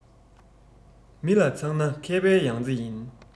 མི ལ ཚང ན མཁས པའི ཡང རྩེ ཡིན